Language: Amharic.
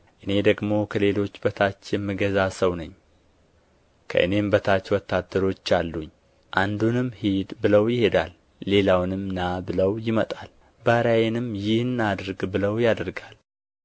እኔ ደግሞ ከሌሎች በታች የምገዛ ሰው ነኝ ከእኔም በታች ወታደሮች አሉኝ አንዱንም ሂድ ብለው ይሄዳል ሌላውንም ና ብለው ይመጣል ባሪያዬንም ይህን አድርግ ብለው ያደርጋል